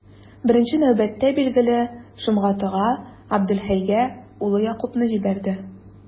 Беренче нәүбәттә, билгеле, Шомгатыга, Габделхәйгә улы Якубны җибәрде.